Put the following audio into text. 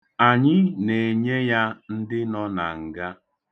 Anyị na-enye ya ndị nọ na nga.